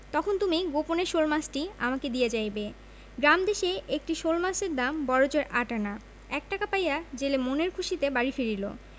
তখন তুমি গোপনে শোলমাছটি আমাকে দিয়া যাইবে গ্রামদেশে একটি শোলমাছের দাম বড়জোর আট আনা এক টাকা পাইয়া জেলে মনের খুশীতে বাড়ি ফিরিল